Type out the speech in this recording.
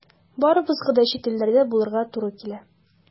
Барыбызга да чит илләрдә булырга туры килә.